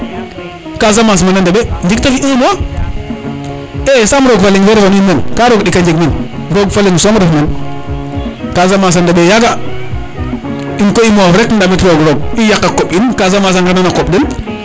Casamance mbanuma ndeɓe ndik te fi un mois e yaam roog fa leŋ refanu in meen ka roog ndika jeg men roog fa leŋ som ref men casamance a ndeɓe yaga in koy i moof rek ndamit roog roog i yaqa koɓ in Casamance a ngene a koɓ den